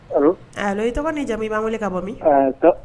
Don i tɔgɔ ni jamu i b'a weele ka bɔ min